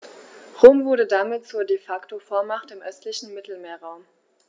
Rom wurde damit zur ‚De-Facto-Vormacht‘ im östlichen Mittelmeerraum.